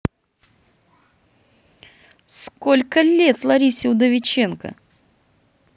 сколько лет ларисе удовиченко